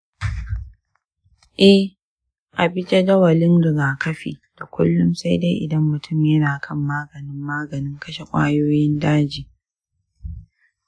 eh, a bi jadawalin rigakafi da kullum sai dai idan mutum yana kan maganin maganin kashe ƙwayoyin daji.